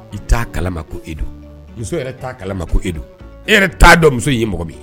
I t' kala ma ko e do muso kala ma ko e do e yɛrɛ t'a dɔn muso ye mɔgɔ bɛ ye